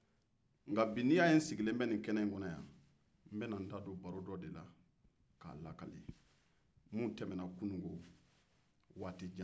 n'i y'a ye n sigilen don kɛnɛ in ka bi n bɛna n da don baro dɔ de min tɛmɛna kunungo k'a lakale